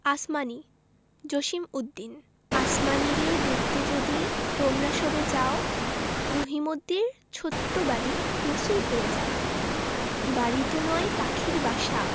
আসমানী জসিমউদ্দিন আসমানীরে দেখতে যদি তোমরা সবে চাও রহিমদ্দির ছোট্ট বাড়ি রসুলপুরে যাও বাড়িতো নয় পাখির বাসা